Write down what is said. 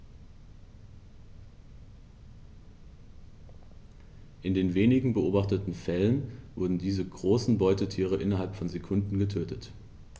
In den wenigen beobachteten Fällen wurden diese großen Beutetiere innerhalb von Sekunden getötet.